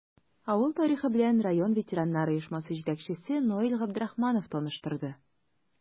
Авыл тарихы белән район ветераннар оешмасы җитәкчесе Наил Габдрахманов таныштырды.